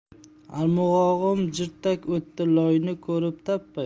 arg'umog'im jirtak otdi loyni ko'rib tappa yotdi